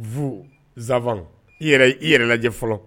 Bu zansaban i i yɛrɛ fɔlɔ